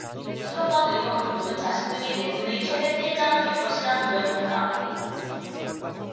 수도권 의원 그룹은 자신들이 내분의 최대 피해자가 될 것이란 우려도 크다